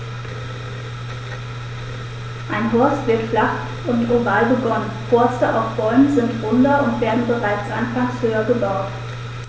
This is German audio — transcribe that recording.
Ein Horst wird flach und oval begonnen, Horste auf Bäumen sind runder und werden bereits anfangs höher gebaut.